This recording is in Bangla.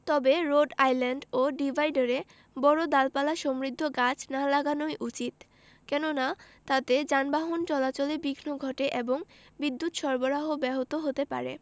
তবে রোড আইল্যান্ড ও ডিভাইডারে বড় ডালপালাসমৃদ্ধ গাছ না লাগানোই উচিত কেননা তাতে যানবাহন চলাচলে বিঘ্ন ঘটে এবং বিদ্যুত সরবরাহ ব্যাহত হতে পারে